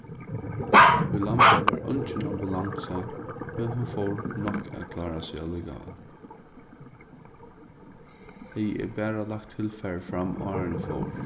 í lamba var eingin ambulansa men hon fór nokk at klára seg allíkavæl hevði eg bara lagt tilfarið fram áðrenn eg fór